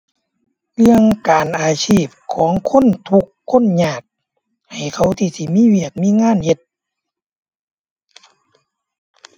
เรื่องการอาชีพของคนทุกข์คนยาก ให้เขาที่สิมีเวียกมีงานเฮ็ด